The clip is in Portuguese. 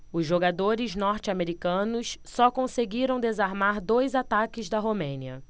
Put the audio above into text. os jogadores norte-americanos só conseguiram desarmar dois ataques da romênia